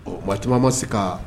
Ɔ maa caman ma se ka